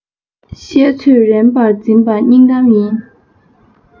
བཤད ཚོད རན པར འཛིན པ སྙིང གཏམ ཡིན